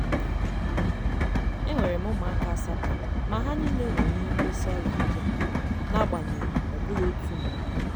"Enwere m ụmụaka asatọ, ma ha niile nwere ihe ngosi ọrịa ndị a, n'agbanyeghị ọ bụghị otu mgbe